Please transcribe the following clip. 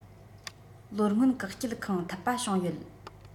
ལོ སྔོན བཀག སྐྱིལ ཁང ཐུབ པ བྱུང ཡོད